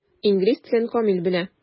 Инглиз телен камил белә.